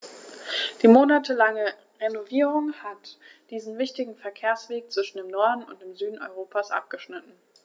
Die monatelange Renovierung hat diesen wichtigen Verkehrsweg zwischen dem Norden und dem Süden Europas abgeschnitten.